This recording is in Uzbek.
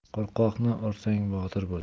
qo'rqoqni ursang botir bo'lar